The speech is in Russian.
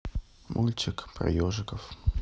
мультик про ежиков